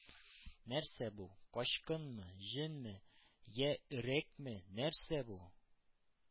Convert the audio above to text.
Нәрсә бу? Качкынмы, җенме? Йә өрәкме, нәрсә бу?